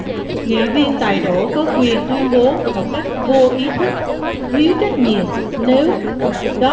nghị viên tài đỗ có quyền tuyên bố một cách vô ý thức thiếu trách nhiệm nếu đó